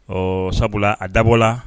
Ɔ sabula a dabɔ la